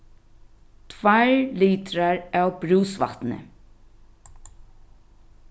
tveir litrar av brúsvatni